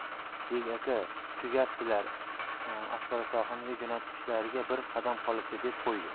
bek aka tugabdilar asfalasofilinga jo'nashlariga bir qadam qolibdi deb qo'ydi